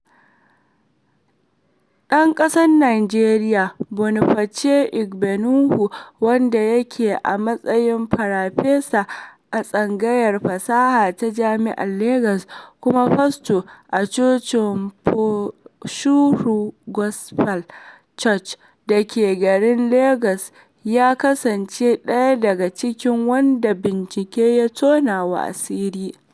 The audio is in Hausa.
ɗan ƙasar Nijeriya Boniface Igbeneghu, wanda yake a matsayin farfesa a tsangayar fasaha ta Jami'ar Legas kuma fasto a cocin Foursƙuare Gospel Church da ke garin Legas ya kasance ɗaya daga cikin waɗanda binciken ya tonawa asiri.